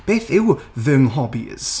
Beth yw fy nghobbis?